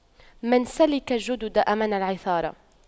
من سلك الجدد أمن العثار